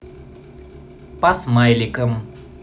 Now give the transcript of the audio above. по смайликам